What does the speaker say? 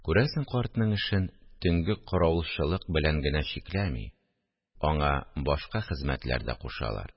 Күрәсең, картның эшен төнге каравылчылык белән генә чикләми, аңа башка хезмәтләр дә кушалар